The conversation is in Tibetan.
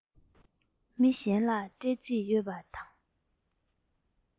མི གཞན ལ སྤྲད རྩིས ཡོད པ དང